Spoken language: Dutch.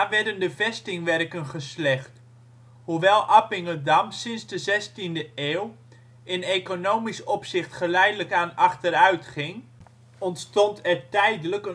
werden de vestingwerken geslecht. Hoewel Appingedam sinds de 16e eeuw in economisch opzicht geleidelijk aan achteruit ging, ontstond er tijdelijk